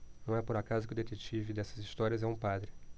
não é por acaso que o detetive dessas histórias é um padre